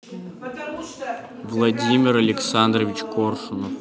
владимир александрович коршунов